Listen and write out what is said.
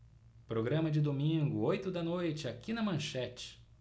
programa de domingo oito da noite aqui na manchete